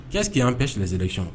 Cɛ k an bɛɛs silamɛsɛrecɔn